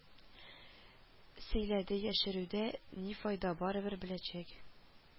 Сөйләде, яшерүдә ни файда, барыбер беләчәк